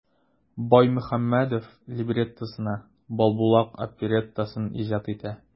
Баймөхәммәдев либреттосына "Балбулак" опереттасын иҗат итә.